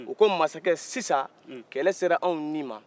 u ko masakɛ sisan kɛlɛ sera anw nin ma